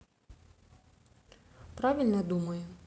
правильно думаю